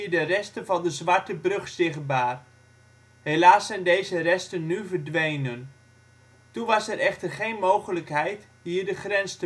de resten van de Zwarte Brug zichtbaar. Helaas zijn deze resten nu verdwenen. Toen was er echter geen mogelijkheid hier de grens